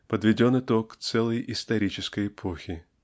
подведен итог целой исторической эпохи.